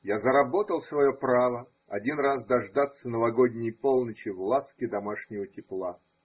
Я заработал свое право один раз дождаться новогодней полночи в ласке домашнего тепла.